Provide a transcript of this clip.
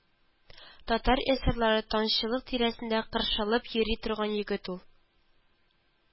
Татар эсерлары таңчылар тирәсендә кыршылып йөри торган егет ул